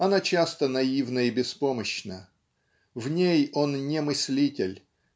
Она часто наивна и беспомощна в ней он не мыслитель